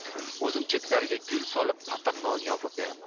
o'zim chetlariga gul solib patir non yopib beraman